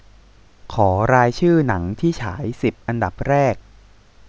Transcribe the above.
ขอรายชื่อหนังที่ฉายสิบอันดับแรก